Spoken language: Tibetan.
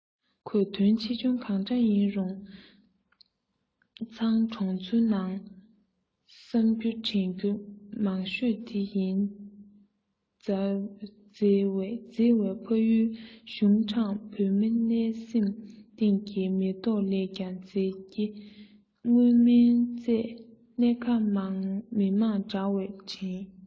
ཁོས དོན ཆེ ཆུང གང འདྲ ཡིན རུང ཚང གྲོང ཚོའི ནང བསམ རྒྱུ དྲན རྒྱུ མང ཤོས དེ ཡིན མཛེས བའི མཛེས བའི ཕ ཡུལ ཞུང དྲང བོད མི གནད སེམ ཏིང གི མེ ཏོག ལས ཀྱང མཛེས སྐྱེ དངོས རྨན རྫས སྣེ ཁ མང མི དམངས དྲ བའི འཕྲིན